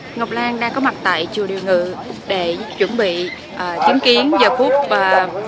ngọc lan đang có mặt tại chùa điều ngự để chuẩn bị chứng kiến giờ phút à